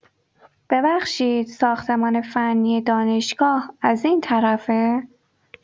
ببخشید، ساختمان فنی دانشگاه از این‌طرفه؟